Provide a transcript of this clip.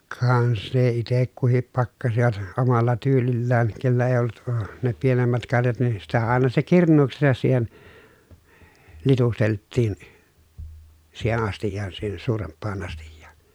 ka sen itse kukin pakkasivat omalla tyylillään kenellä ei ollut - ne pienemmät karjat niin sitä aina se kirnuuksensa siihen litusteltiin siihen astiaan siihen suurempaan astiaan